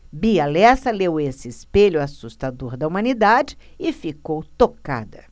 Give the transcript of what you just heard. bia lessa leu esse espelho assustador da humanidade e ficou tocada